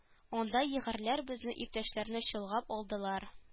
Анда егерьләр безнең иптәшләрне чолгап алдылар